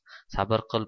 sabr qil